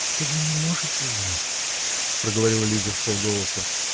-- Это вы не можете знать, -- проговорила Лиза вполголоса.